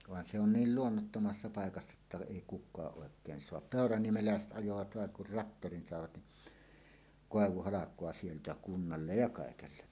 vaan se on niin luonnottomassa paikassa että ei kukaan oikein saa peuraniemeläiset ajoivat vain kun traktorin saivat niin koivuhalkoa sieltä kunnalle ja kaikelle